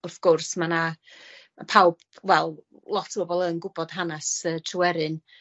wrth gwrs ma' 'na yy pawb, wel, lot o bobol yn gwbod hanes yy Tryweryn